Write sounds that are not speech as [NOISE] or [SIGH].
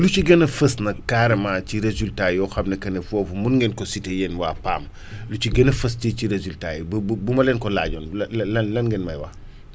lu ci gën a fës nag carrément ci résultat yoo xam ne que ne foofu mun ngeen ko citer yéen waa PAM [BREATH] lu ci gën a fës ci ci résultats yi bu bu ma leen ko laajoon lan lan lan ngeen may wax